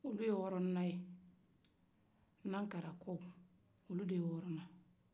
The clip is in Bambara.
olu ye wɔrɔnina ye nankara kɔ